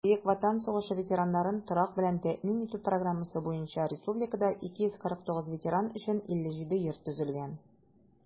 Бөек Ватан сугышы ветераннарын торак белән тәэмин итү программасы буенча республикада 249 ветеран өчен 57 йорт төзелгән.